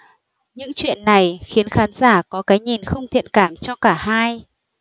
những chuyện này khiến khán giả có cái nhìn không thiện cảm cho cả hai